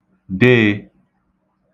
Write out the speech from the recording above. deē